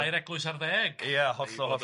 Tair eglwys ar ddeg... Ia hollol hollol...